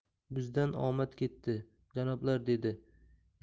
bizdan omad ketdi janoblar